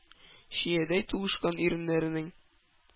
Чиядәй тулышкан иреннәренең,